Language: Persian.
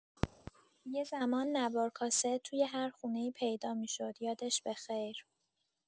یه زمان نوار کاست توی هر خونه‌ای پیدا می‌شد، یادش بخیر.